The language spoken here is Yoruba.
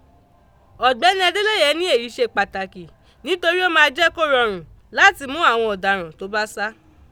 Ọ̀gbẹ́ni Adélẹ́yẹ ní èyí ṣe pàtàkì nítori ó máa jẹ́ kó rọrùn láti mú àwọn ọ̀daràn tó bá sá.